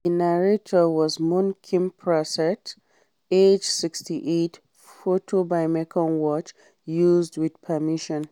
The narrator was Mun Kimprasert, aged 68, photo by Mekong Watch, used with permission.